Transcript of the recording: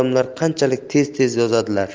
odamlar qanchalik tez tez yozadilar